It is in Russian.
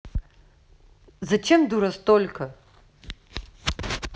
зачем дура столько